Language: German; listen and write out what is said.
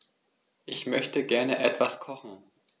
Ich möchte gerne etwas kochen.